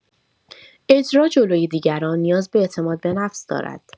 اجرا جلوی دیگران نیاز به اعتمادبه‌نفس دارد.